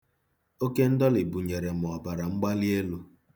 Oke ndọlị bunyere m ọbara mgbali elu.